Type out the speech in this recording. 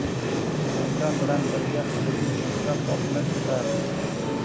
yangam bilan birga haligi katta qopni ko'tardik